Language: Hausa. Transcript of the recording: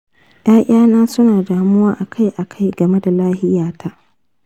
ƴaƴana su na damuwa akai-akai game da lafiyata.